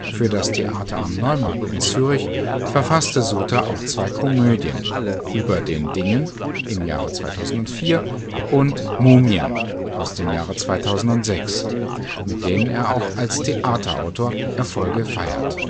Für das Theater am Neumarkt in Zürich verfasste Suter auch zwei Komödien: Über den Dingen (2004) und Mumien (2006), mit denen er auch als Theaterautor Erfolge feiert